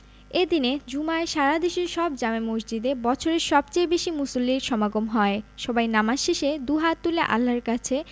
এ দিনের জুমায় সারা দেশের সব জামে মসজিদে বছরের সবচেয়ে বেশি মুসল্লির সমাগম হয় সবাই নামাজ শেষে দুহাত তুলে আল্লাহর কাছে